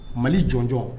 Mali jɔnjɔ